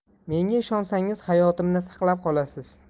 menga ishonsangiz hayotimni saqlab qolasiz